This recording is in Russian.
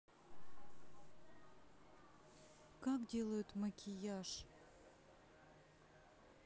как делают макияж